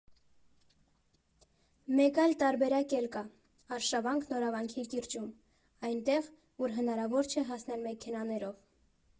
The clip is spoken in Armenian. Մեկ այլ տարբերակ էլ կա՝ արշավանք Նորավանքի կիրճում, այնտեղ, ուր հնարավոր չէ հասնել մեքենաներով։